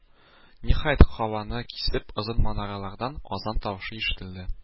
Ниһаять, һаваны кисеп озын манаралардан азан тавышы ишетелде.